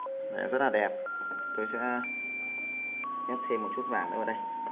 đấy rất là đẹp tôi sẽ nhét thêm một chút vàng nữa vào đây